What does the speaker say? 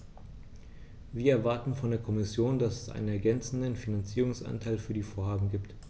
Wir erwarten von der Kommission, dass es einen ergänzenden Finanzierungsanteil für die Vorhaben gibt.